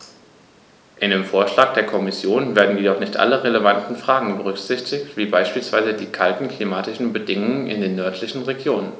In dem Vorschlag der Kommission werden jedoch nicht alle relevanten Fragen berücksichtigt, wie beispielsweise die kalten klimatischen Bedingungen in den nördlichen Regionen.